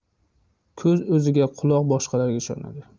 ko'z o'ziga quloq boshqalarga ishonadi